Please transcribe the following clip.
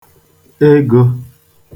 egō